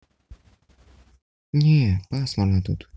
не пасмурно тут